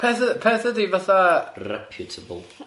Peth y- peth ydi fatha... Rrreputable.